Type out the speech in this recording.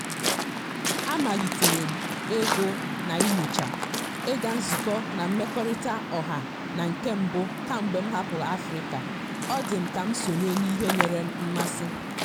Amalitere m ịgụ na inyocha, ịga nzukọ na mmekọrịta ọha na nke mbụ kemgbe m hapụrụ Afrịka, ọ dị m ka m sonye n'ihe nyere m mmasị.